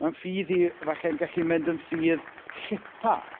Ma'n ffydd i falle yn gallu mynd yn ffydd llipa.